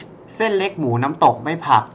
เส้นเล็กหมูน้ำตกไม่ผัก